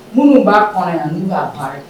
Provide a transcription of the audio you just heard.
Minnu b'a kɔnɔ yan min b'a baara ye